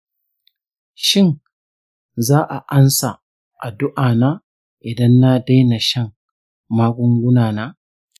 shin za'a ansa addu'a na idan na daina shan magunguna na?